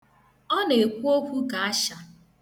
Ọ na-ekwu ka asha.